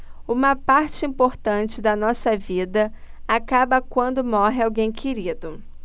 uma parte importante da nossa vida acaba quando morre alguém querido